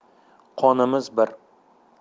qonimiz bir